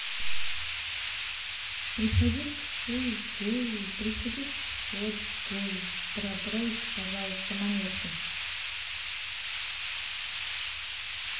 приходи в хуй в голову приходи вход в голову проброс пожалуйста монетку